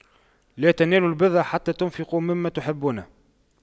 لَن تَنَالُواْ البِرَّ حَتَّى تُنفِقُواْ مِمَّا تُحِبُّونَ